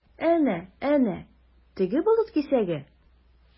Әнә-әнә, теге болыт кисәге?